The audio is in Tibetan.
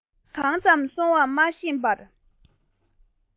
ཟུར ཞིག ཏུ ཉལ དགོས བྱུང